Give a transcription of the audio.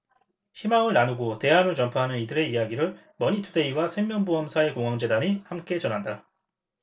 희망을 나누고 대안을 전파하는 이들의 이야기를 머니투데이와 생명보험사회공헌재단이 함께 전한다